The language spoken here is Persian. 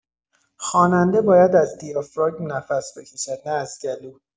خواننده باید از دیافراگم نفس بکشد، نه از گلو.